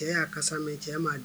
Cɛ y'a kasa min cɛ ma'